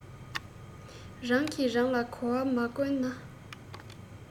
རང གི རང ལ གོ བ མ བསྐོན ན